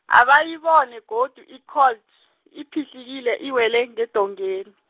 abayibone godu i- Colt, iphihlikile iwele ngedongeni .